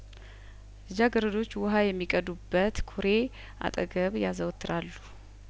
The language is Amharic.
ልጃገረዶች ውሀ የሚቀዱበት ኩሬ አጠገብ ያዘወትራሉ